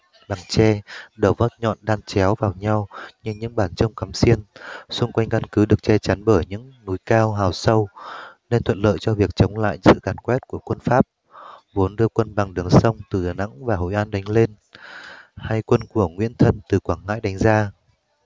bằng tre đầu vót nhọn đan chéo vào nhau như những bàn chông cắm xiên chung quanh căn cứ được che chắn bởi những núi cao hào sâu nên thuận lợi cho việc chống lại sự càn quét của quân pháp vốn đưa quân bằng đường sông từ đà nẵng và hội an đánh lên hay quân của nguyễn thân từ quảng ngãi đánh ra